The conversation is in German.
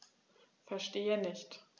Verstehe nicht.